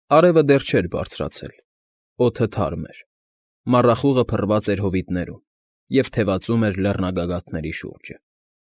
Արևը դեռ չէր բարձրացել, օդը թարմ էր, մառախուղը փռված էր հովիտներում և թևածում էր լեռնագագաթների շուրջը։